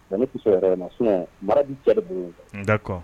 Ni yɛrɛ sun mara di cɛ bolo n da kɔ